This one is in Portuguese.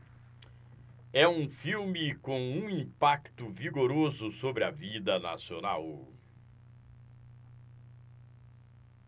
é um filme com um impacto vigoroso sobre a vida nacional